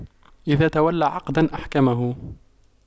إذا تولى عقداً أحكمه